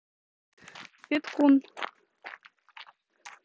петкун